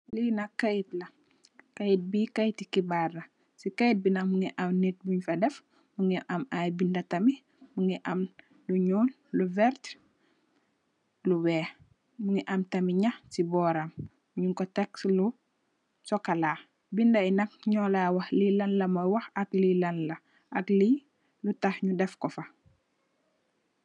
Li nak keyet la, keyetti xibaar la mungi am binduh yuñ fa def. Mungi am bindah tamit, mungi am lu ñuul, lu verta, lu weex. Mungi am nyakh ci boram nyung ku tek fu chocola. Bindah yi nak nyula wakh li lan lamu wakh ak li lanla ak lutah yu dafko fa.